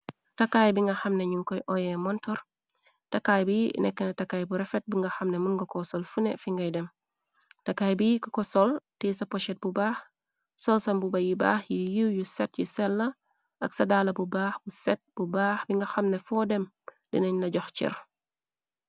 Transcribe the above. Takaay bi nga xamnañu koy oye montor , takaay bi nekka na takaay bu refet , bi nga xamne munnga ko sol fune fi ngay dem .Takaay bi ko sol tee sa pochet bu baax , sol sam buba yi baax yi yiiw yu set yi sella ak sadaala bu baax bu set bu baax bi nga xamne foo dem dinañ la jox cir.